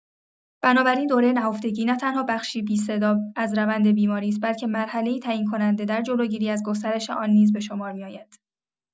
بنابراین دوره نهفتگی نه‌تنها بخشی بی‌صدا از روند بیماری است، بلکه مرحله‌ای تعیین‌کننده در جلوگیری از گسترش آن نیز به شمار می‌آید.